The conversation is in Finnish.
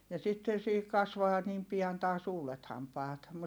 ja sitten siihen kasvaa niin pian taas uudet hampaat